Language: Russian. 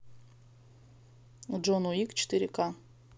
джон уик четыре к